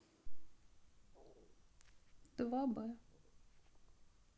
два б